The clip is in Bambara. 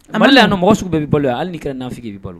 Al la a mɔgɔ sugu bɛɛ' balo bolo ye hali' kɛra n'a k' balo bolo